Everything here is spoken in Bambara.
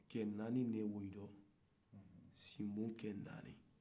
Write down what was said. cɛ naani de bɛ olu la sinbo cɛ naani